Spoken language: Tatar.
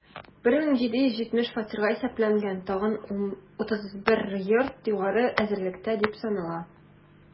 1770 фатирга исәпләнгән тагын 31 йорт югары әзерлектә дип санала.